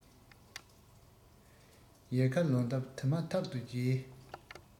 ཡལ ག ལོ འདབ དེ མ ཐག ཏུ རྒྱས